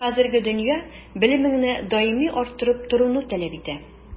Хәзерге дөнья белемеңне даими арттырып торуны таләп итә.